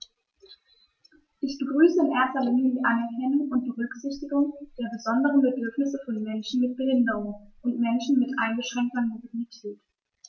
Ich begrüße in erster Linie die Anerkennung und Berücksichtigung der besonderen Bedürfnisse von Menschen mit Behinderung und Menschen mit eingeschränkter Mobilität.